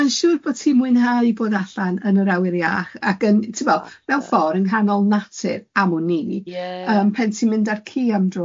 Mae'n siŵr bod ti'n mwynhau bod allan yn yr awyr iach ag yn tibod fel ffordd yng nghanol natur amwn i... Ie. ...yym pan ti'n mynd ar ci am dro.